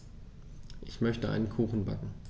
Ich möchte einen Kuchen backen.